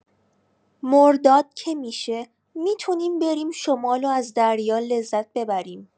مرداد که می‌شه، می‌تونیم بریم شمال و از دریا لذت ببریم.